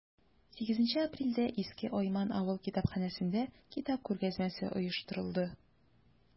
8 апрельдә иске айман авыл китапханәсендә китап күргәзмәсе оештырылды.